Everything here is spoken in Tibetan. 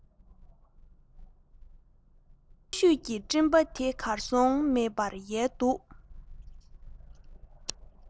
ལྷོ བཞུད ཀྱི སྤྲིན པ དེ གར སོང མེད པར ཡལ འདུག